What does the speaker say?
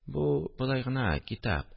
– бу... болай гына, китап